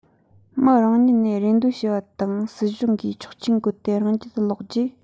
མི རང ཉིད ནས རེ འདོད ཞུ བ དང སྲིད གཞུང གིས ཆོག མཆན བཀོད དེ རང རྒྱལ དུ ལོག རྗེས